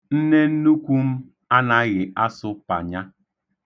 Nnennukwu m anaghị asụ Panya.